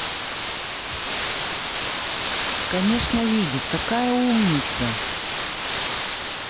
конечно видит такая умница